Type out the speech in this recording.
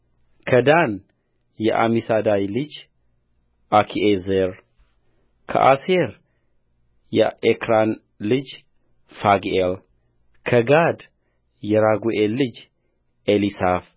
ከዳን የአሚሳዳይ ልጅ አኪዔዘርከአሴር የኤክራን ልጅ ፋግኤልከጋድ የራጉኤል ልጅ ኤሊሳፍ